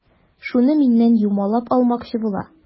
Шуны миннән юмалап алмакчы була.